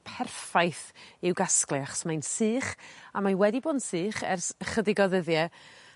perffaith i'w gasglu achos mae'n sych a mae wedi bod yn sych ers ychydig o ddyddie